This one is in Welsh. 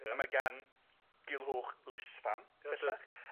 Ia. A mae gan Gulhwch lysfam bellach.